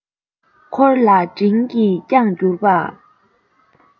འཁོར ལ དྲིན གྱིས བསྐྱངས གྱུར པ